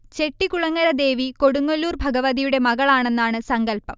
ചെട്ടികുളങ്ങര ദേവി കൊടുങ്ങല്ലൂർ ഭഗവതിയുടെ മകളാണെന്നാണ് സങ്കല്പം